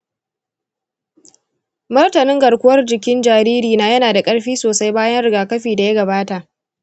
martanin garkuwar jikin jaririna yana da ƙarfi sosai bayan rigakafi da ya gabata.